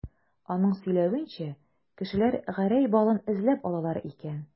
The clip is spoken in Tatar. Аның сөйләвенчә, кешеләр Гәрәй балын эзләп алалар икән.